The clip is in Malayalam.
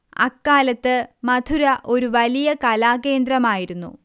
അക്കാലത്ത് മഥുര ഒരു വലിയ കലാകേന്ദ്രമായിരുന്നു